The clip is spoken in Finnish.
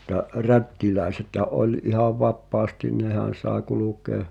mutta rättiläisethän oli ihan vapaasti nehän sai kulkea